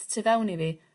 ...tu fewn i fi